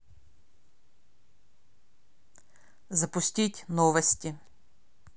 запустить новости